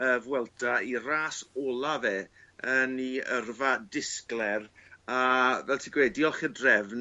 y Vuelta 'i ras ola fe yn 'i yrfa disgler a fel ti gweud diolch i'r drefn